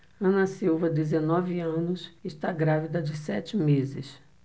ana silva dezenove anos está grávida de sete meses